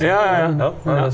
ja ja ja ja.